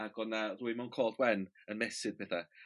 Ag o' 'na rhywun mewn cot wen yn mesur petha.